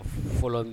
Fɔlɔ